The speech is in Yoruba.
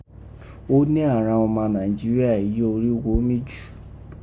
O nẹ́ àghan ọma Naijiria èyí orígho mí jù.